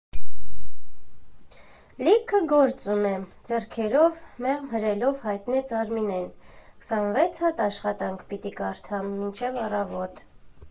Լիքը գործ ունեմ, ֊ ձեռքերով մեղմ հրելով հայտնեց Արմինեն, ֊ քսանվեց հատ աշխատանք պիտի կարդամ մինչև առավոտ։